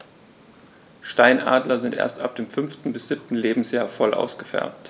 Steinadler sind erst ab dem 5. bis 7. Lebensjahr voll ausgefärbt.